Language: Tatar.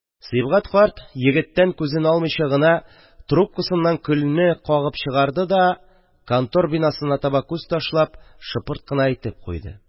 Сибгать карт, егеттән күзен алмыйча гына, трубкасыннан көлне кагып чыгарды да, контор бинасына таба күз ташлап, шыпырт кына әйтеп куйды: